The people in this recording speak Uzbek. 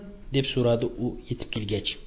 deb so'radi u yetib kelgach